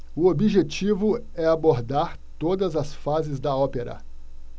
o objetivo é abordar todas as fases da ópera